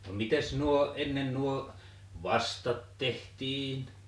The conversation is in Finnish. no mitenkäs nuo ennen nuo vastat tehtiin